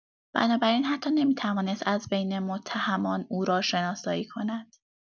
بنابراین حتی نمی‌توانست از بین متهمان او را شناسایی کند.